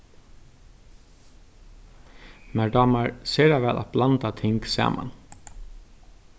mær dámar sera væl at blanda ting saman